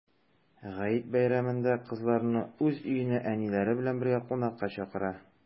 Гает бәйрәмендә кызларны уз өенә әниләре белән бергә кунакка чакыра.